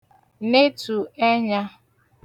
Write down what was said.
netù ẹnyā